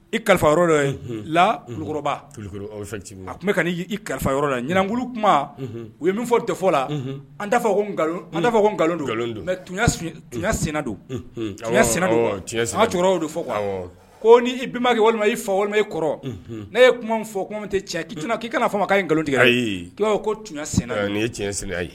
I kalifa yɔrɔ la a tun bɛ i kalifa yɔrɔ la ɲankulu kuma u ye min fɔ defɔ la an ko nkalon senina don senw fɔ ko ni ibbaki walima i fa e kɔrɔ ne ye kuma fɔ ko tɛ cɛ'i kana fɔ ma nkalontigɛ tiɲɛ sen tiɲɛya ye